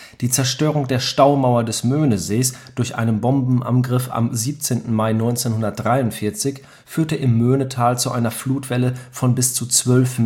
Die Zerstörung der Staumauer des Möhnesees durch einen Bombenangriff am 17. Mai 1943 führte im Möhnetal zu einer Flutwelle von bis zu 12